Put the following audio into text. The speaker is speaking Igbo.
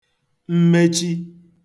mmechi